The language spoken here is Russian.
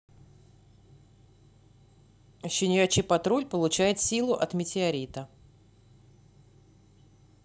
щенячий патруль получает силу от метеорита